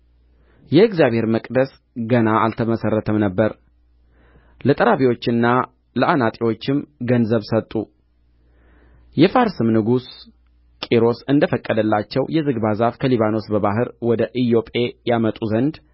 የእግዚአብሔር መቅደስ ገና አልተመሠረተም ነበር ለጠራቢዎችና ለአናጢዎችም ገንዘብ ሰጡ የፋርስም ንጉሥ ቂሮስ እንደ ፈቀደላቸው የዝግባ ዛፍ ከሊባኖስ በባሕር ወደ ኢዮጴ ያመጡ ዘንድ